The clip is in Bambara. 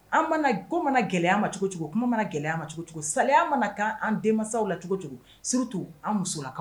An mana ko mana gɛlɛya ma cogo cogo kuma mana gɛlɛya ma cogo cogo saliya mana kanan den masaw la cogo cogo surtout an musola kanw